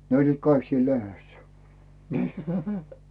ne olivat kaikki siinä lehdessä niin